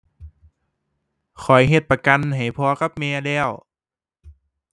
ข้อยเฮ็ดประกันให้พ่อกับแม่แล้ว